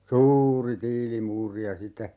suuri tiilimuuri ja sitten